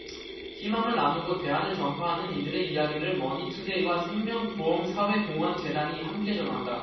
희망을 나누고 대안을 전파하는 이들의 이야기를 머니투데이와 생명보험사회공헌재단이 함께 전한다